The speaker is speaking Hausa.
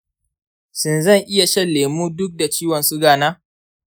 shin zan iya shan lemu duk da ciwon suga na?